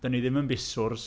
'Dyn ni ddim yn byswrs.